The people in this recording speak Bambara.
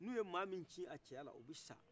n'u ye maa min kin a cɛyara o bɛ sa